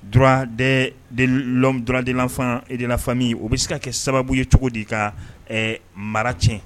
Dudenlafandlafami o bɛ se ka kɛ sababu ye cogo di ka mara tiɲɛ